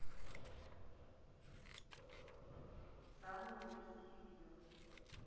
самые мерзкие видео